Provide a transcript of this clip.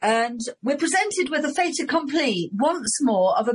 And we're presented with a ffater complet once more of